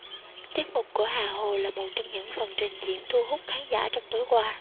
tiết mục của hà hồ là một trong những phần trình diễn thu hút khán giả trong tối qua